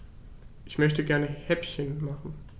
Ich möchte gerne Häppchen machen.